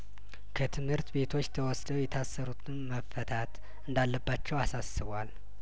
ከትምህርት ቤቶች ተወስደው የታሰሩትም መፈታት እንዳለባቸው አሳስቧል